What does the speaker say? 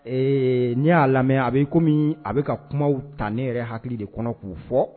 Ee n'i y'a lamɛn a bɛi kɔmi min a bɛ ka kumaw ta ne yɛrɛ hakili de kɔnɔ k'u fɔ